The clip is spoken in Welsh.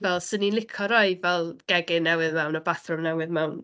Fel, 'sen ni'n lico rhoi, fel, gegin newydd mewn a bathroom newydd mewn.